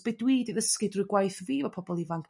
be dwi 'di ddysgu drw'r gwaith fi o pobol ifanc